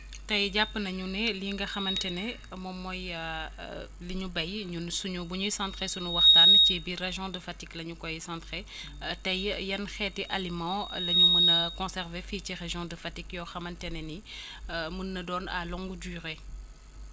tey jàpp nañu ne lii nga xamante ne moom mooy li ñu béy ñun suñu bu ñuy centré sunu waxtaan ci biir région de Fatick la ñu koy centré tey yan xeeti aliments la ñu mën a conservé fii ci région de Fatick yoo xamante ne ni mën na doon à longue durée